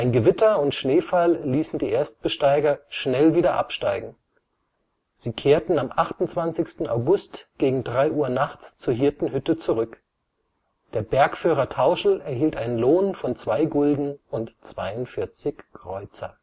Gewitter und Schneefall ließen die Erstbesteiger schnell wieder absteigen. Sie kehrten am 28. August gegen drei Uhr nachts zur Hirtenhütte zurück. Der Bergführer Tauschl erhielt einen Lohn von zwei Gulden und 42 Kreuzer